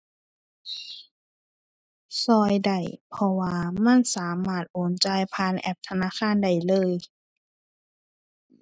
ช่วยได้ เพราะว่ามันสามารถโอนจ่ายผ่านแอปธนาคารได้เลย